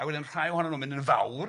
A wedyn rhai ohonyn nw'n mynd yn fawr...